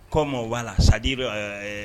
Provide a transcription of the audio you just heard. Kɔ ma wala sadi bɛ